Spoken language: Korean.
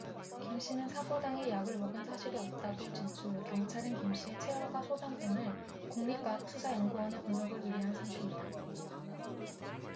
김씨는 사고 당일 약을 먹은 사실이 없다고 진술 경찰은 김씨의 채혈과 소변 등을 국립과학수사연구원에 분석을 의뢰한 상태이다